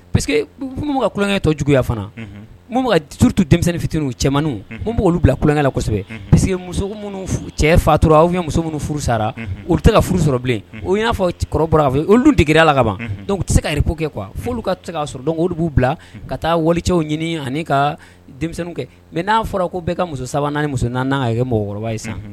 Que ka kukɛ tɔ juguyaya fana denmisɛnnin fit u cɛmanmani n' olu bila kukɛlasɛbɛ p parce que cɛ fatura aw muso minnu furu sara u bɛ tɛ ka furu sɔrɔ bilen u y'a fɔ kɔrɔ'a olu degera la ka ban tɛ se ka ko kɛ kuwa fɔ oluolu ka se k'a sɔrɔ dɔn olu de b'u bila ka taa wali cɛww ɲini ani ka denmisɛnnin kɛ mɛ n'a fɔra ko bɛka ka muso sabanan muso kɛ mɔgɔkɔrɔba ye san